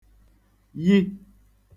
yi